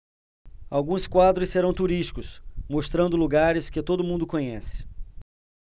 alguns quadros serão turísticos mostrando lugares que todo mundo conhece